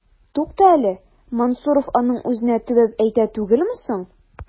Тукта әле, Мансуров аның үзенә төбәп әйтә түгелме соң? ..